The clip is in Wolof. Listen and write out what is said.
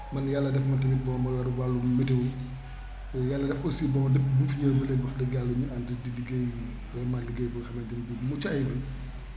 man Yàlla def ma tamit bon ma yor wàllum météo Yàlla def aussi bon depuis bi mu fi ñëwee ba léegi wax dëgg Yàlla ñu ànd di liggéey vraiment liggéey boo xam ne bii bu mucc ayib la